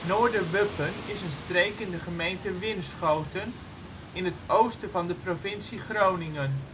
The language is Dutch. Noorderwuppen is een streek in de gemeente Winschoten, in het oosten van de provincie Groningen.